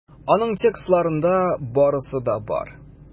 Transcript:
Аның текстларында барысы да бар.